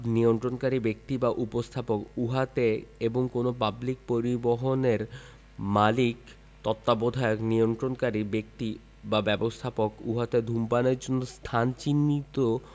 নিয়ন্ত্রণকারী ব্যক্তি বা ব্যবস্থাপক উহাতে এবং কোন পাবলিক পরিবহণের মালিক তত্ত্বাবধায়ক নিয়ন্ত্রণকারী ব্যক্তি বা ব্যবস্থাপক উহাতে ধূমপানের জন্য স্থান চিহ্নিত